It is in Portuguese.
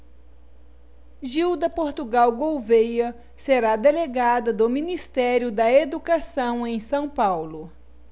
gilda portugal gouvêa será delegada do ministério da educação em são paulo